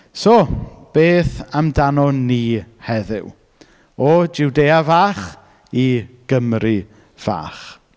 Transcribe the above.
So, beth amdanon ni heddiw? O Jwdea fach i Gymru fach.